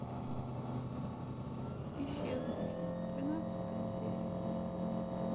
исчезнувшая тринадцатая серия